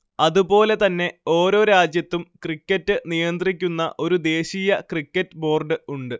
അതുപോലെതന്നെ ഓരോ രാജ്യത്തും ക്രിക്കറ്റ് നിയന്ത്രിക്കുന്ന ഒരു ദേശീയ ക്രിക്കറ്റ് ബോർഡ് ഉണ്ട്